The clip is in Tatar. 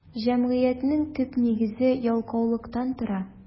Җәмгыятьнең төп нигезе ялкаулыктан тора.